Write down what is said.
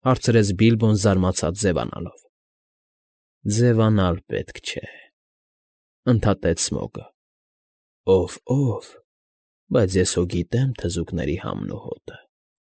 Հարցրեց Բիլբոն զարմացած ձևանալավ։ ֊ Ձևանալ պետք չէ,֊ ընդհատեց Սմոոգը։֊ Ով՝ ով, բայց ես հո գիտեմ թզուկների համն ու հոտը։